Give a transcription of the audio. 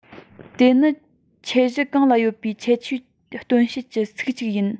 དེ ནི ཁྱད གཞི གང ལ ཡོད པའི ཁྱད ཆོས སྟོན བྱེད ཀྱི ཚིག ཅིག ཡིན